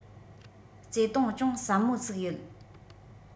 བརྩེ དུང ཅུང ཟབ མོ ཟུག ཡོད